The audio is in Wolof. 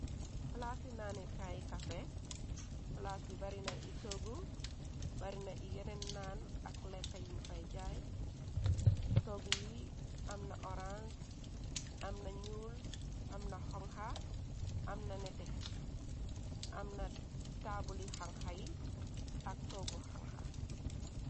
Plaas di naani kaay kafe. Plaas bi barina i togg barina i yeneen naan ak lekka yiñ fay jaay. Togg yi am na orange am na ñuul am na xonxa amna nete am na taabuli xanxa yi ak toggu xanxa.